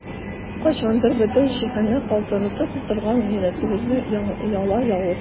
Кайчандыр бөтен җиһанны калтыратып торган милләтебезгә яла ягу!